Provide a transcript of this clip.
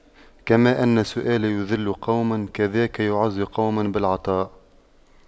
كما أن السؤال يُذِلُّ قوما كذاك يعز قوم بالعطاء